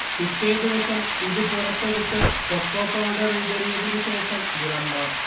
പിറ്റേദിവസം ഇത് പുറത്തെടുത്ത് കൊക്കോ പൌഡർ വിതറിയതിനു ശേഷം വിളമ്പാം